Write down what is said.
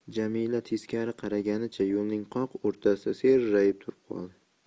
jamila teskari qaraganicha yo'lning qoq o'rtasida serrayib turib qoldi